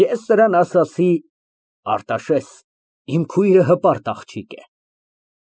Ես նրան ասացի. «Արտաշես, իմ քույրը հպարտ աղջիկ է։